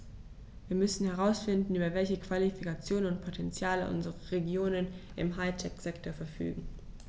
Wir müssen herausfinden, über welche Qualifikationen und Potentiale unsere Regionen im High-Tech-Sektor verfügen.